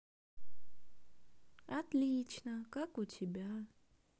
отлично как у тебя